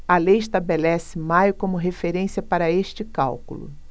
a lei estabelece maio como referência para este cálculo